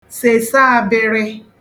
sèsa abịrị